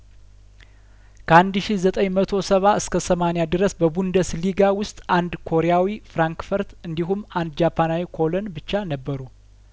ከአንድ ሺ ዘጠኝ መቶ ሰባ እስከ ሰማኒያ ድረስ በቡንደስሊጋ ውስጥ አንድ ኮሪያዊ ፍራንክፈርት እንዲሁም አንድ ጃፓናዊ ኮሎን ብቻ ነበሩ